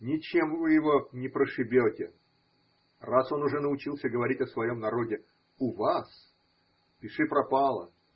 Ничем вы его не прошибете: раз он уже научился говорить о своем народе: у вас – пиши пропало.